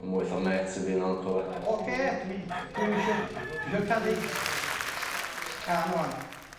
Ma' mwy fatha mêt i fi na uncle 'de? Oce dwi isio dwi isio canu can ŵan.